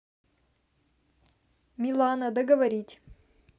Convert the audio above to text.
милана договорить